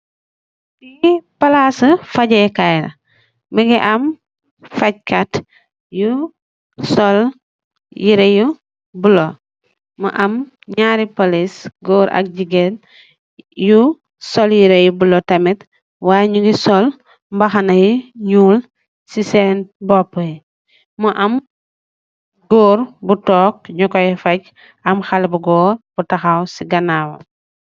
Li palass seeh fajeh gaai laah , mugeeh emm faaj kaat yuuh sol yereh yu bulo , mu emm njareh police goor ak jigeen yu sol yereh yuuh bulo tamit y nukeh sol mbahana yu nuul si seen bopah yeh muuh emm goor buuh toog yuuh gooi faaj emm haleh buuh goor buuh tahaaw kanawam.